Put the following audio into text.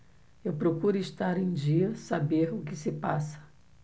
eu procuro estar em dia saber o que se passa